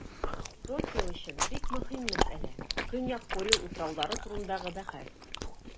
Токио өчен бик мөһим мәсьәлә - Көньяк Курил утраулары турындагы бәхәс.